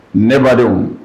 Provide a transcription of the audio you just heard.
Ne badenw